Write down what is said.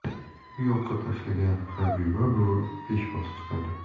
bu yoqqa tashlagan habiba buvi peshvoz chiqadi